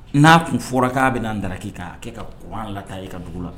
Na kun fɔra ka bɛna daraki ka kɛ ka kuran lataa e ka dugu la.